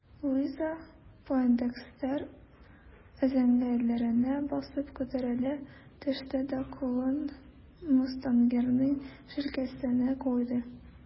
Луиза Пойндекстер өзәңгеләренә басып күтәрелә төште дә кулын мустангерның җилкәсенә куйды.